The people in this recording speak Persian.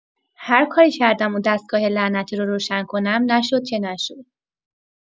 هر کاری کردم اون دستگاه لعنتی رو روشن کنم، نشد که نشد!